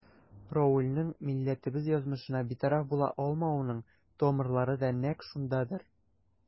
Равилнең милләтебез язмышына битараф була алмавының тамырлары да нәкъ шундадыр.